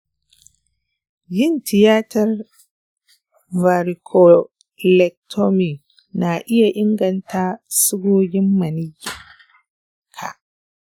yin tiyatar varicocelectomy na iya inganta sigogin maniyyinka.